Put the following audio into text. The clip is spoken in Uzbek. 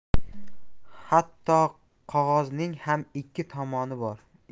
hatto qog'ozning ham ikki tomoni bor